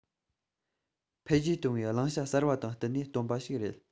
འཕེལ རྒྱས གཏོང བའི བླང བྱ གསར པ དང བསྟུན ནས བཏོན པ ཞིག རེད